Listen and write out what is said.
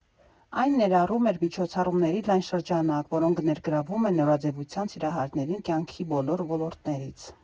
Այն ներառում էր միջոցառումների լայն շրջանակ, որոնք ներգրավում են նորաձևության սիրահարներին կյանքի բոլոր ոլորտներից։